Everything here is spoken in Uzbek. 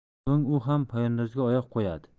so'ng u ham poyandozga oyoq qo'yadi